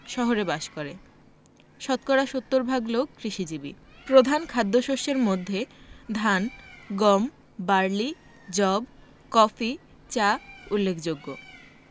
শহরে বাস করে শতকরা ৭০ ভাগ লোক কৃষিজীবী প্রধান খাদ্যশস্যের মধ্যে ধান গম বার্লি যব কফি চা উল্লেখযোগ্য